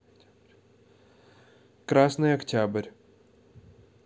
красный октябрь